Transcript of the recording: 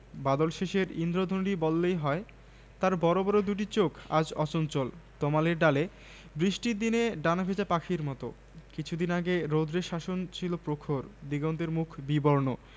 বাদলশেষের ঈন্দ্রধনুটি বললেই হয় তার বড় বড় দুটি চোখ আজ অচঞ্চল তমালের ডালে বৃষ্টির দিনে ডানা ভেজা পাখির মত কিছুদিন আগে রৌদ্রের শাসন ছিল প্রখর দিগন্তের মুখ বিবর্ণ